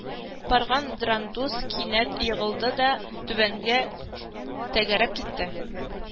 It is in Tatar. Барган драндус кинәт егылды да түбәнгә тәгәрәп китте